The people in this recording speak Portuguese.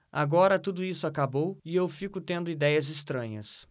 agora tudo isso acabou e eu fico tendo idéias estranhas